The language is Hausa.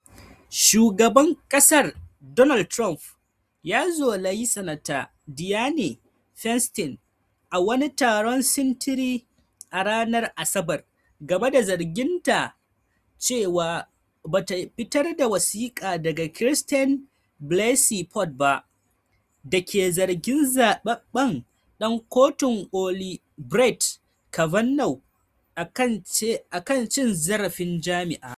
Shugaban kasar Donald Trump ya zolayi Sanata Dianne Feinstein a wani taron sintirin a ranar Asabar game da zarginta cewa ba ta fitar da wasika daga Christine Blasey Ford ba, da ke zargin zababben dan Kotun Koli Brett Kavanaugh akan cin zarafin jima'i.